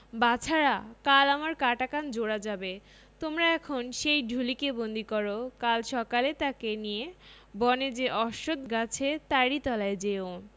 বাছারা কাল আমার কাটা কান জোড়া যাবে তোমরা এখন সেই ঢুলিকে বন্দী কর কাল সকালে তাকে নিয়ে বনে যে অশ্বখ গাছে তারই তলায় যেও